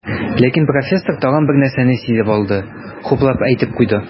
Ләкин профессор тагын бер нәрсәне сизеп алды, хуплап әйтеп куйды.